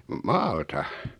maalta